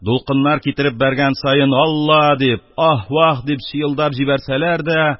Тулкыннар китереп бәргән саен «алла!» дип, «аһ-ваһ!» дип чыелдап җибәрсәләр дә,